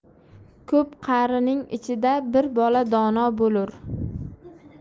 ko'p qarining ichida bir bola dono bo'lur